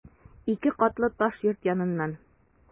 Ике катлы таш йорт яныннан...